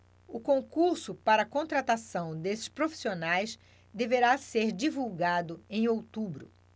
o concurso para contratação desses profissionais deverá ser divulgado em outubro